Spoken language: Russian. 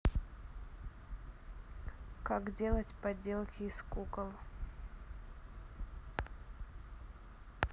как делать поделки из куколок